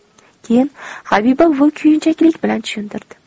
keyin habiba buvi kuyunchaklik bilan tushuntirdi